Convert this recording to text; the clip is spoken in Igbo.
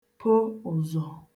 po ụ̀zọ̀